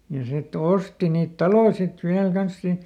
ja sitten osti niitä taloja sitten vielä kanssa siinä siitä